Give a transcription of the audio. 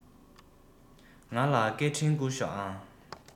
ང ལ སྐད འཕྲིན བསྐུར ཤོག ཨང